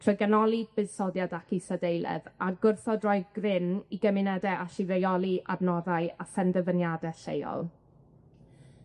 trwy ganoli buddsoddiad ac isadeiledd, a gwrthod roi grym i gymunede allu reoli adnoddau a phenderfyniade lleol.